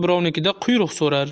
birovnikida quyruq so'rar